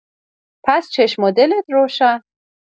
پس چشم دلت روشن.